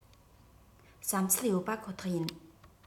བསམ ཚུལ ཡོད པ ཁོ ཐག ཡིན